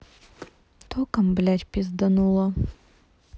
током блядь пиздануло